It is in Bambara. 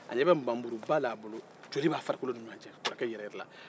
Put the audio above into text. a ɲɛ bɛ nbamurub'a la bolo joli b'a farikolo bɛɛ ni ɲɔgɔn kɔrɔkɛ yɛrɛ